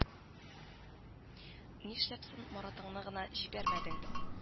— нишләп соң маратыңны гына җибәрмәдең